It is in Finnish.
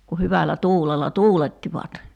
kun hyvällä tuulella tuulettivat